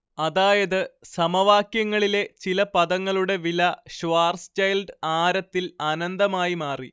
അതായത് സമവാക്യങ്ങളിലെ ചില പദങ്ങളുടെ വില ഷ്വാർസ്ചൈൽഡ് ആരത്തിൽ അനന്തമായി മാറി